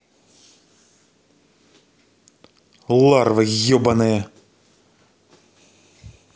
larva ебаная